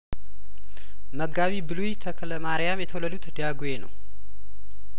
መጋቢ ብሉይ ተክለማሪያም የተወለዱት ዳጔ ነው